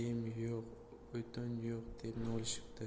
yem yo'q o'tin yo'q deb nolishibdi